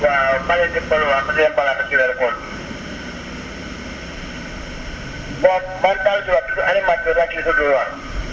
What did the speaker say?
waaw maa ngi leen di baalu àq di leen baal àq si weeru koor gi waaw maa ngi baalu àq waa kilfa Dóor waar